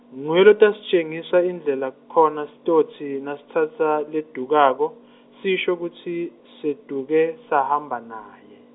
nguye lotasitjengisa indlela, khona sitsotsi, nasitsatsa ledukako, sisho kutsi, seduke, sahamba naye.